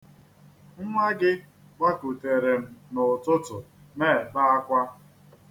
Nnwa gị gbakutere m n'ụtụtụ, na-ebe akwa.